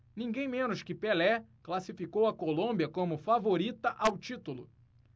ninguém menos que pelé classificou a colômbia como favorita ao título